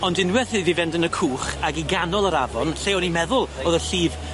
ond unweth i fi fynd yn y cwch, ag i ganol yr afon, lle o'n i'n meddwl o'dd y llif